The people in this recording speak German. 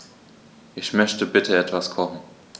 Ich möchte bitte etwas kochen.